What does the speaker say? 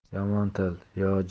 yomon til yo